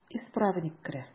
Исправник керә.